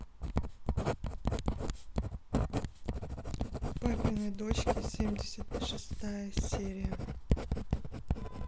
папины дочки семьдесят шестая серия